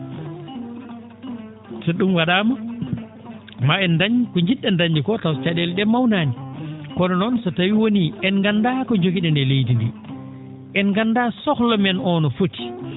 so ?um wa?aama maa en ndañ ko nji??en dañde koo taw ca?eele ?ee mawnaani kono noon so tawii wonii en nganndaa ko njogi?en e leydi ndi en nganndaa sohla men oo no foti